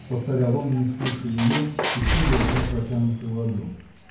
— повторял он, не слушая ее и всё держа протянутую ладонь.